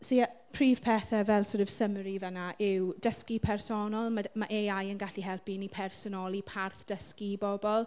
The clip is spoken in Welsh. So ie prif pethe fel sort of summary fan'na yw dysgu personol. Ma' d- ma' AI yn gallu helpu ni personoli parth dysgu i bobl.